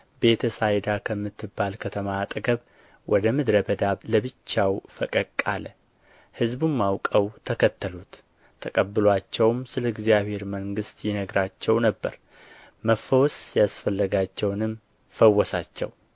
ቤተ ሳይዳ ከምትባል ከተማ አጠገብ ወደ ምድረ በዳ ለብቻው ፈቀቅ አለ ሕዝቡም አውቀው ተከተሉት ተቀብሎአቸውም ስለ እግዚአብሔር መንግሥት ይነግራቸው ነበር መፈወስ ያስፈለጋቸውንም ፈወሳቸው